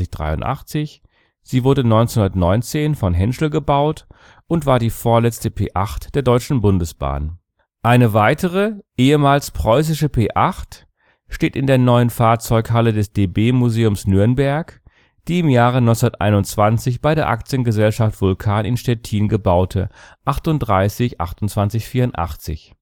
2383. Sie wurde 1919 von Henschel gebaut, und war die vorletzte P8 der Deutschen Bundesbahn. Eine weitere, ehem. preußische P8 steht in der Neuen Fahrzeughalle des DB Museums Nürnberg, die im Jahre 1921 bei AG Vulcan Stettin gebaute 38 2884